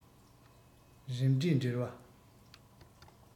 རིམ གྲས འབྲེལ བ